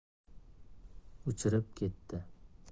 uchirib ketdi